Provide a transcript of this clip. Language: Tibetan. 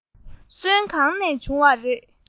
སོན གང ནས བྱུང བ རེད